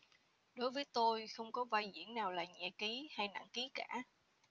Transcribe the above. đối với tôi không có vai diễn nào là nhẹ ký hay nặng ký cả